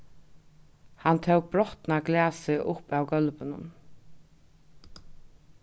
hann tók brotna glasið upp av gólvinum